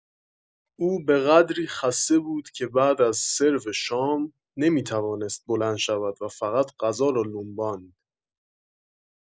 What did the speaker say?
او به قدری خسته بود که بعد از سرو شام، نمی‌توانست بلند شود و فقط غذا را لمباند.